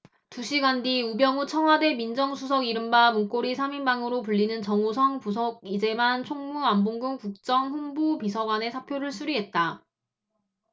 두 시간 뒤 우병우 청와대 민정수석 이른바 문고리 삼 인방으로 불리는 정호성 부속 이재만 총무 안봉근 국정홍보비서관의 사표를 수리했다